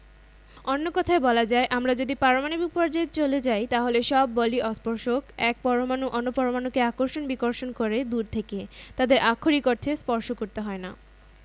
কিংবা চলতে চলতে ঘর্ষণের জন্য চলন্ত বস্তুর থেমে যাওয়া আবার তোমরা লক্ষ করেছ কোনো কোনো বল প্রয়োগের জন্য স্পর্শ করতে হয় না কোনো কিছু ছেড়ে দিলে মাধ্যাকর্ষণ বলের জন্য নিচে পড়া চুম্বকের আকর্ষণ